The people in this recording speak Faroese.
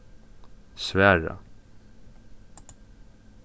svara